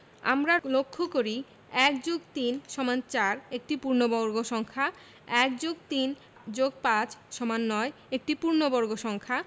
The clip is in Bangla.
আমরা লক্ষ করি ১+৩=৪ একটি পূর্ণবর্গ সংখ্যা ১+৩+৫=৯ একটি পূর্ণবর্গ সংখ্যা